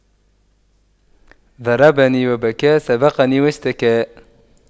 ضربني وبكى وسبقني واشتكى